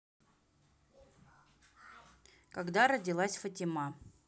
когда родилась фатима